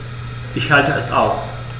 Ich schalte es aus.